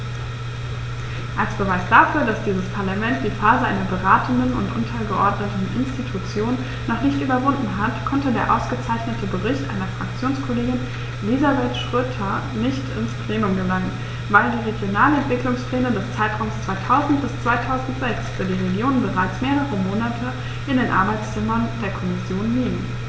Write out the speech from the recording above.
Als Beweis dafür, dass dieses Parlament die Phase einer beratenden und untergeordneten Institution noch nicht überwunden hat, konnte der ausgezeichnete Bericht meiner Fraktionskollegin Elisabeth Schroedter nicht ins Plenum gelangen, weil die Regionalentwicklungspläne des Zeitraums 2000-2006 für die Regionen bereits mehrere Monate in den Arbeitszimmern der Kommission liegen.